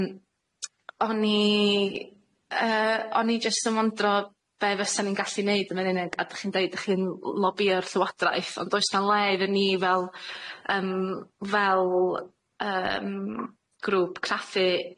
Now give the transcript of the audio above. Yym o'n i yy o'n i jyst yn wondro be' fysan ni'n gallu neud am y funud a da chi'n deud 'dych chi'n lobïo'r Llywodraeth ond does 'na le iddon ni fel yym fel yym grŵp craffu